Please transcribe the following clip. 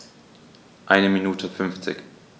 Eine Minute 50